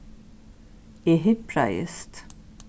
eg himpraðist